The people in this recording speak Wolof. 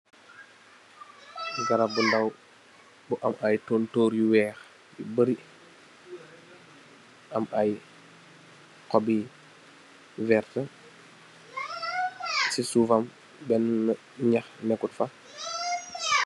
Garab bu ndaw bu am ayy tontor yu wekh yu barri am ayy xopyu wert si suffam benn ñax nekutfa.